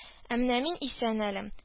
Ә менә мин исән әле